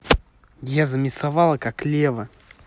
я замесова как лева